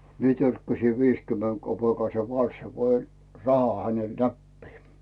minä törkkäsin - viisikymmenkopeekkaisen kanssa kun oli rahaa hänelle näppiin